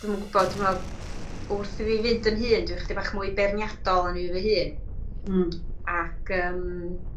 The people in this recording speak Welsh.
Dwi'n yn gwbo' dwi me'wl wrth i fi fynd yn hŷn dwi ychydig bach mwy beirniadol o mi fy hun. Hmm. Ac yym.